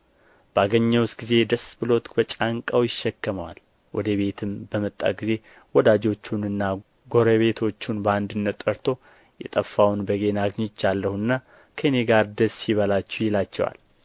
ባገኘውም ጊዜ ደስ ብሎት በጫንቃው ይሸከመዋል ወደ ቤትም በመጣ ጊዜ ወዳጆቹንና ጐረቤቶቹን በአንድነት ጠርቶ የጠፋውን በጌን አግኝቼዋለሁና ከእኔ ጋር ደስ ይበላችሁ ይላቸዋል